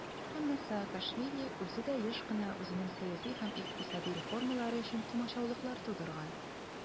Әмма Саакашвили үзе дә еш кына үзенең сәяси һәм икътисади реформалары өчен комачаулыклар тудырган.